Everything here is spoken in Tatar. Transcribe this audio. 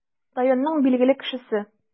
Районның билгеле кешесе.